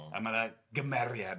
O. A mae na gymeriad.